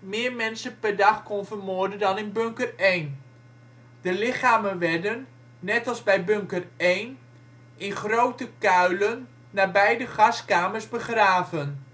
meer mensen per dag kon vermoorden dan in bunker 1. De lichamen werden, net als bij bunker 1, in grote kuilen nabij de gaskamers begraven.